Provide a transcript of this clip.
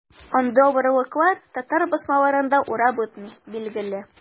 Андый авырлыклар татар басмаларын да урап үтми, билгеле.